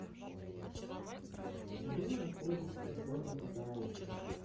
где находится город гай